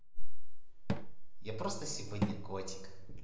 я просто сегодня котик